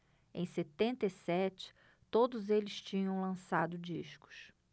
em setenta e sete todos eles tinham lançado discos